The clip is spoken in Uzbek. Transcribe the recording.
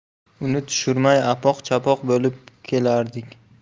uni tushirmay apoq chapoq bo'lib kelardik